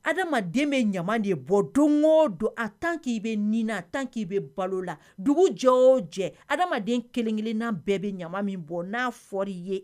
Adamaden bɛ ɲama de ye bɔ don o don a tan k'i bɛ ni a tan k'i bɛ balo la dugu jɔ o jɛ adamaden kelenkelen bɛɛ bɛ ɲama min bɔ n'a fɔ ye